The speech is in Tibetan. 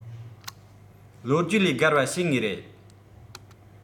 ལོ རྒྱུས ལས རྒལ བ བྱེད ངེས རེད